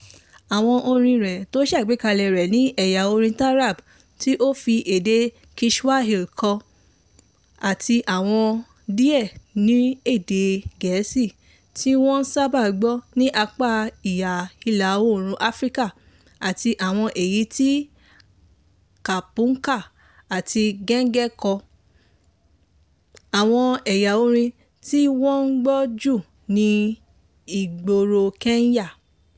Àwọn orin rẹ̀ tó ṣàgbékalẹ̀ rẹ̀ ní ẹ̀yà orin Taarab tó fi èdè Kiswahili kọ àti àwọn díẹ̀ ni èdè gẹ̀ẹ́sì tí wọ́n ń sàbà gbọ̀ ní apá ìhà Ìlà-oòrùn Áfíríkà, àti àwọn èyí tó Kapuka and Genge kọ, àwọn ẹ̀yà orin tí wọ́n ń gbọ́ jù ní ìgboro Kenya.